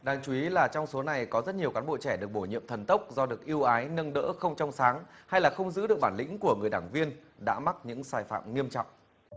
đáng chú ý là trong số này có rất nhiều cán bộ trẻ được bổ nhiệm thần tốc do được ưu ái nâng đỡ không trong sáng hay là không giữ được bản lĩnh của người đảng viên đã mắc những sai phạm nghiêm trọng